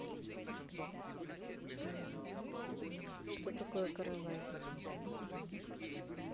что такое каравай